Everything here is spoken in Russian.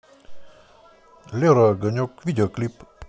лера огонек видеоклип